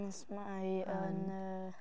Mis Mai yn y...